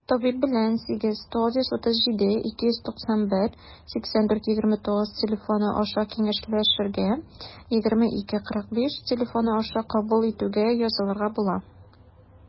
Табиб белән 89372918429 телефоны аша киңәшләшергә, 20-2-45 телефоны аша кабул итүгә язылырга була.